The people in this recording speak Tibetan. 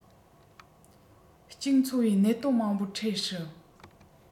གཅིག མཚུངས པའི གནད དོན མང པོར འཕྲད སྲིད